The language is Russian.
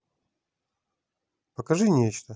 покажи нечто